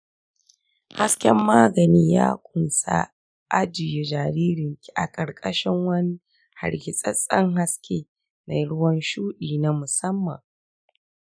hasken magani ya ƙunsa ajiye jaririnki a ƙarƙashin wani hargitsaccen haske mai ruwan shuɗi na musamman